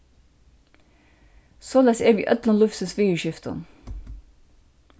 soleiðis er við øllum lívsins viðurskiftum